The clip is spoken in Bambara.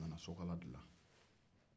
a ye sokala dila